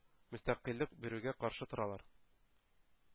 Мөстәкыйльлек бирүгә каршы торалар.